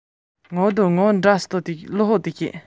ངོ མ དག འ འོས ལ སྐྱིད འོས པ ཞིག རེད